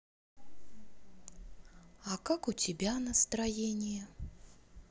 а как у тебя настроение